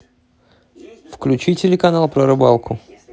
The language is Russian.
включи телеканал про рыбалку